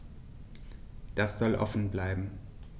Das soll offen bleiben.